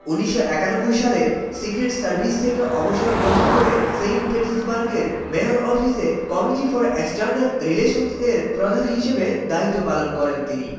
১৯৯১ সালে secret service থেকে অবসর গ্রহণ করে সেইন্ট পিটার্সবার্গের মেয়র অফিসে কমিটি ফর এক্সটার্নাল রেলেশনস এর প্রধান হিসেবে দায়িত্ব পালন করেন তিনি